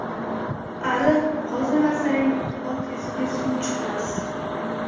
ariq qazimasang otizga suv chiqmas